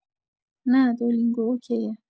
نه دولینگو اوکیه